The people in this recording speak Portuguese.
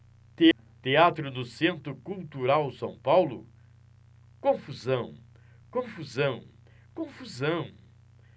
teatro no centro cultural são paulo confusão confusão confusão